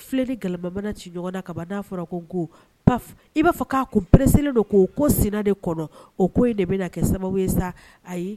Ga ci ɲɔgɔn'a ko ko i'a fɔ k'a ko pere don ko ko senina de o ko de bɛ kɛ sababu sa